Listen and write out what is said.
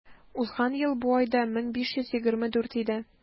Узган ел бу айда 1524 иде.